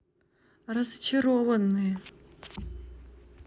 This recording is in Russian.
разочарованные